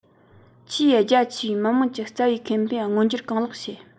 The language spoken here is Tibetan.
ཆེས རྒྱ ཆེ བའི མི དམངས ཀྱི རྩ བའི ཁེ ཕན མངོན འགྱུར གང ལེགས བྱེད